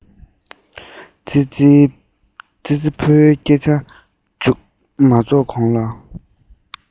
ཙི ཙི ཕོའི སྐད ཆ མཇུག མ རྫོགས གོང ལ